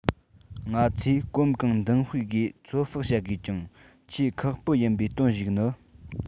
ང ཚོས གོམ གང མདུན སྤོས སྒོས ཚོད དཔག བྱེད དགོས ཀྱང ཆེས ཁག པོ ཡིན པའི དོན ཞིག ནི